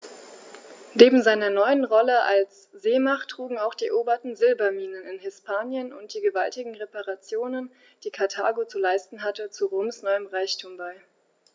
Neben seiner neuen Rolle als Seemacht trugen auch die eroberten Silberminen in Hispanien und die gewaltigen Reparationen, die Karthago zu leisten hatte, zu Roms neuem Reichtum bei.